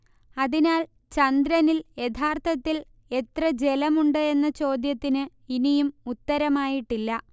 അതിനാൽ ചന്ദ്രനിൽ യഥാർത്ഥത്തിൽ എത്ര ജലമുണ്ട് എന്ന ചോദ്യത്തിന് ഇനിയും ഉത്തരമായിട്ടില്ല